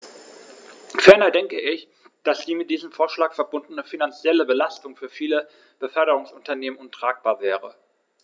Ferner denke ich, dass die mit diesem Vorschlag verbundene finanzielle Belastung für viele Beförderungsunternehmen untragbar wäre.